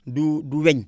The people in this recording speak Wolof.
du du weñ